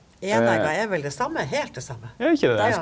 einegga er vel det same heilt det same ja?